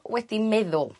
wedi meddwl